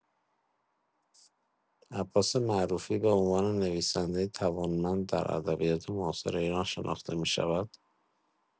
عباس معروفی به عنوان نویسنده‌ای توانمند در ادبیات معاصر ایران شناخته می‌شود.